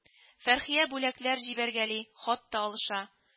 Фәрхия бүләкләр җибәргәли, хат та алыша